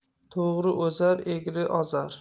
to'g'ri o'zar egri ozar